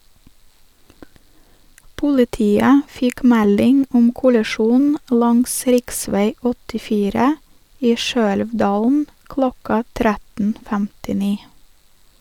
Politiet fikk melding om kollisjonen langs riksvei 84 i Skøelvdalen klokka 13.59.